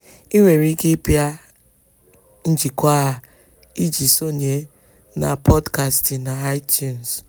Ị nwere ike pịa njikọ a iji sonye na pọdkastị na iTunes.